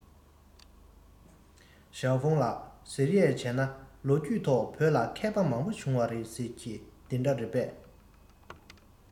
ཞའོ ཧྥུང ལགས ཟེར ཡས ལ བྱས ན ལོ རྒྱུས ཐོག བོད ལ མཁས པ མང པོ བྱུང བ རེད ཟེར གྱིས དེ འདྲ རེད པས